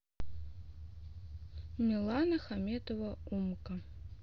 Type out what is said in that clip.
милана хаметова умка